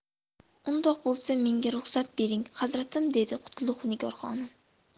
undoq bo'lsa menga ruxsat bering hazratim dedi qutlug' nigor xonim